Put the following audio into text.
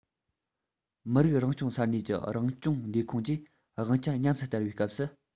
མི རིགས རང སྐྱོང ས གནས ཀྱི རང སྐྱོང ལས ཁུངས ཀྱིས དབང ཆ ཉམས སུ བསྟར བའི སྐབས སུ